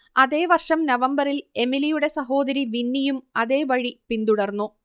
അതേ വർഷം നവംബറിൽ എമിലിയുടെ സഹോദരി വിന്നിയും അതേവഴി പിന്തുടർന്നു